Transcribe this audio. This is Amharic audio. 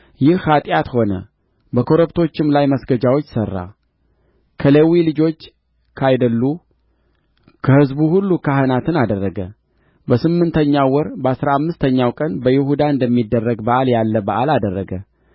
ይህ ኃጢአት ሆነ በኮረብቶቹም ላይ መስገጃዎች ሠራ ከሌዊ ልጆች ካይደሉ ከሕዝብ ሁሉ ካህናትን አደረገ በስምንተኛው ወር በአሥራ አምስተኛውም ቀን በይሁዳ እንደሚደረግ በዓል ያለ በዓል አደረገ